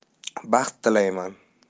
baxt tilayman